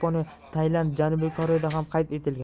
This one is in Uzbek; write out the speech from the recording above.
yaponiya tailand janubiy koreyada ham qayd etilgan